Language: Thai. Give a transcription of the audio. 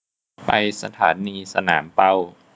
ไปสถานีสนามเป้า